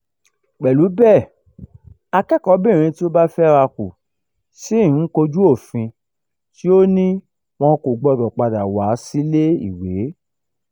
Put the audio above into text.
Pẹ̀lú bẹ́ẹ̀, akẹ́kọ̀ọ́bìnrin tí ó bá fẹ́rakù ṣì ń kojú òfin tí ó ní wọn kò gbọdọ̀ padà wá sílé ìwé.